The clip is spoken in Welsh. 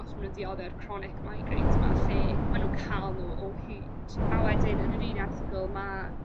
os ma' nw'n diodde o'r chronic migraines 'ma lle ma' nw'n ca'l n'w o hyd. A wedyn yn yr un erthygl ma'